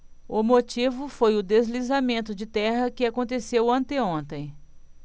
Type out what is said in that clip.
o motivo foi o deslizamento de terra que aconteceu anteontem